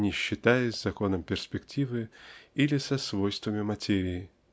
не считаясь с законом перспективы или со свойствами материи.